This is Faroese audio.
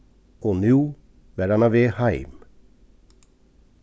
og nú var hann á veg heim